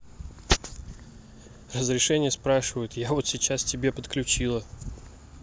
разрешение спрашивают я вот сейчас тебе подключила